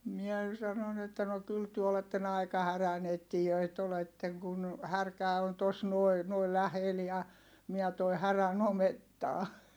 minä sanoin että no kyllä te olette aika härän etsijöitä olette kun härkä on tuossa noin noin lähellä ja minä toin härän omettaan